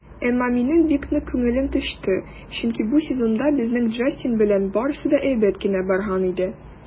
Әмма минем бик нык күңелем төште, чөнки бу сезонда безнең Джастин белән барысы да әйбәт кенә барган иде.